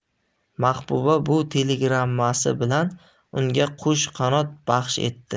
mahbuba bu telegrammasi bilan unga qo'sh qanot baxsh etdi